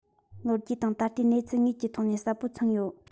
ལོ རྒྱུས དང ད ལྟའི གནས ཚུལ དངོས ཀྱི ཐོག ནས གསལ པོར མཚོན ཡོད